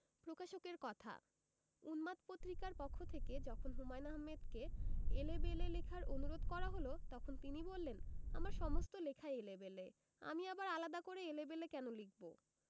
প্রকাশকের কথা উন্মাদ পত্রিকার পক্ষথেকে যখন হুমায়ন আহমেদকে 'এলেবেলে লেখার অনুরোধে করা হল তখন তিনি বললেন আমার সমস্ত লেখাই এলেবেলে আমি আবার আলাদা করে এলেবেলে কেন লিখব